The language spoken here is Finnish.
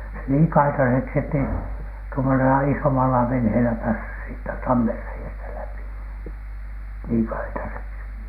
se niin kaitaiseksi että ei tuommoisella isommalla veneellä päässyt siitä tammenreiästä läpi niin kaitaiseksi